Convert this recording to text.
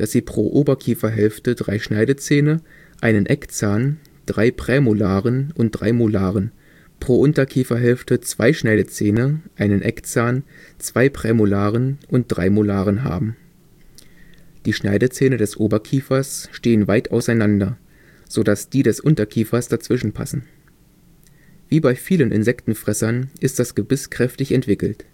sie pro Oberkieferhälfte drei Schneidezähne, einen Eckzahn, drei Prämolaren und drei Molaren, pro Unterkieferhälfte zwei Schneidezähne, einen Eckzahn, zwei Prämolaren und drei Molaren haben. Die Schneidezähne des Oberkiefers stehen weit auseinander, sodass die des Unterkiefers dazwischen passen. Wie bei vielen Insektenfressern ist das Gebiss kräftig entwickelt